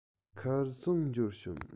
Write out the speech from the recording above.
ཁ སང འབྱོར བྱུང